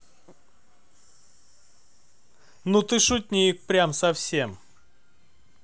ну ты шутник прям совсем